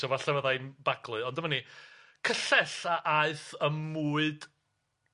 ...so falle fydda i'n baglu, ond dyma ni cyllell a aeth ym mwyd